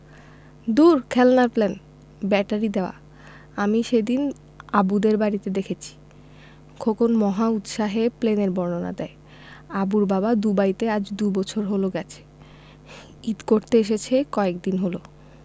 দূর খেলনার plane battery দেয়া আমি সেদিন আবুদের বাড়িতে দেখেছি খোকন মহা উৎসাহে প্লেনের বর্ণনা দেয় আবুর বাবা দুবাইতে আজ দুবছর হলো গেছে ঈদ করতে এসেছে কয়েকদিন হলো